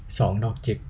สองดอกจิก